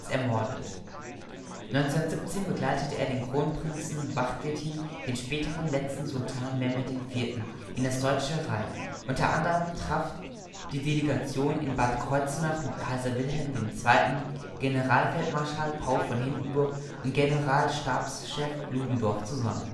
ermordet. 1917 begleitete er den Kronprinzen Vahdettin, den späteren letzten Sultan Mehmed VI., in das deutsche Reich. Unter anderem traf die Delegation in Bad Kreuznach mit Kaiser Wilhelm II. (Deutsches Reich), Generalfeldmarschal Paul von Hindenburg und Generalstabschef Ludendorff zusammen